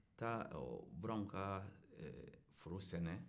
ka taa buranw ka foro sɛnɛ